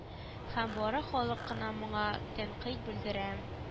Һәм бары халык кына моңа тәнкыйть белдерә